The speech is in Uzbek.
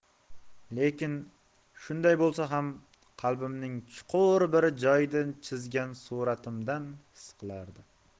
lekin shunday bo'lsa ham qalbimning chuqur bir joyida chizgan suratimdan xis qilardi